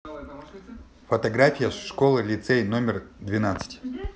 фотография школы лицей номер двенадцать